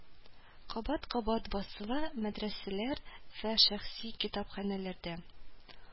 Кабат-кабат басыла, мәдрәсәләр вә шәхси китапханәләрдә